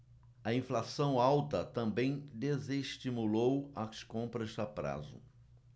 a inflação alta também desestimulou as compras a prazo